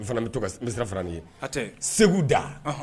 N fana bɛ to ka, n bɛ sira fara ye, Segu Da.